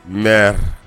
Mère